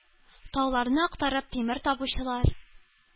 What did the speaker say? Тауларны актарып тимер табучылар,